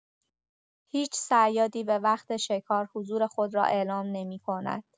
هیچ صیادی، به‌وقت شکار، حضور خود را اعلام نمی‌کند.